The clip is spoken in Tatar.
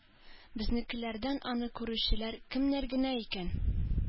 Безнекеләрдән аны күрүчеләр кемнәр генә икән?